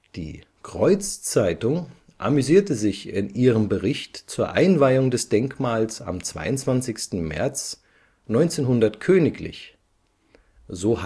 Die Kreuzzeitung amüsierte sich in ihrem Bericht zur Einweihung des Denkmals am 22. März 1900 königlich: „ So